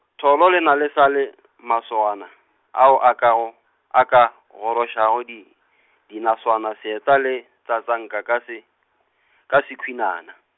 Tholo lena le sa le masogana, ao a kago, a ka gorošago di, dinaswana seeta le, tsatsanka ka se , ka se sekhwinana.